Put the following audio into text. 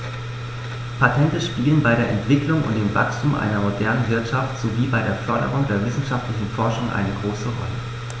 Patente spielen bei der Entwicklung und dem Wachstum einer modernen Wirtschaft sowie bei der Förderung der wissenschaftlichen Forschung eine große Rolle.